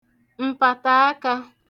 m̀pàtàakā